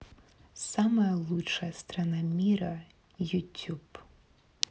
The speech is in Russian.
самая лучшая страна мира youtube